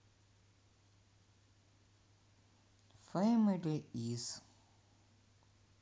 фэмили из